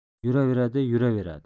yuraveradi yuraveradi